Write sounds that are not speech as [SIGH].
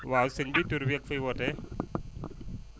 waaw sëñ bi tur beeg [NOISE] fooy wootee [NOISE]